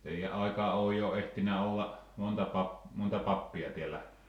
teidän aikaan on jo ehtinyt olla monta - monta pappia täällä